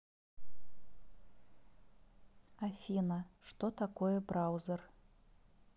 афина что такое браузер